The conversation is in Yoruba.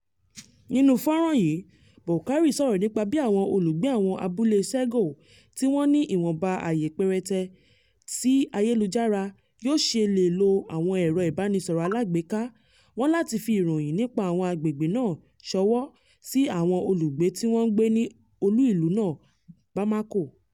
Nínú fọ́nràn yìí, Boukary sọ̀rọ̀ nípa bí àwọn olùgbé àwọn abúlé Ségou, tí wọn ní ìwọ̀nba àyè péréte sí ayélujára yóò ṣe lè lo àwọn ẹ̀rọ ìbánisọ̀rọ̀ alágbèéká wọn láti fi ìròyìn nípa àwọn agbègbè náà ṣọwọ́ sí àwọn olùgbé tí wọ́n ń gbé ní olú-ìlú náà Bamako.